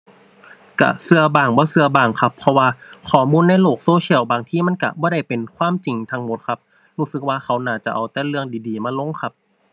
ก็ก็บ้างบ่ก็บ้างครับ เพราะว่าข้อมูลในโลกโซเชียลบางทีมันก็บ่ได้เป็นความจริงทั้งหมดครับ รู้สึกว่าเขาน่าจะเอาแต่เรื่องดีดีมาลงครับ